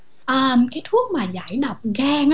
à cái thuốc mà giải độc gan